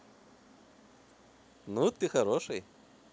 ну ты хороший